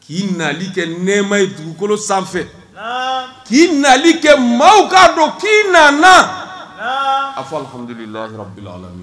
K'i nali kɛ nɛma ye dugukolo sanfɛ k'i nali kɛ maaw ka don k'i na aha bila ala